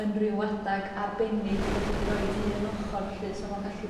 yn ryw adag arbennig dach chi 'di roid i un yn ochor lly so ma'n gallu